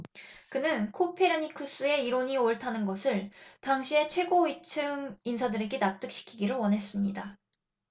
그는 코페르니쿠스의 이론이 옳다는 것을 당시의 최고위층 인사들에게 납득시키기를 원했습니다